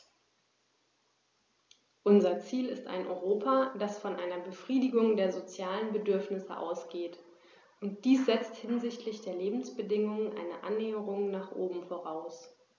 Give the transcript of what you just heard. Unser Ziel ist ein Europa, das von einer Befriedigung der sozialen Bedürfnisse ausgeht, und dies setzt hinsichtlich der Lebensbedingungen eine Annäherung nach oben voraus.